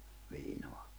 viinaa